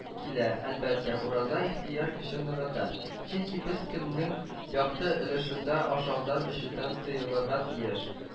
Килә, әлбәттә, ураза ихтыяр көчен ныгыта, чөнки без көннең якты өлешендә ашаудан-эчүдән тыелырга тиеш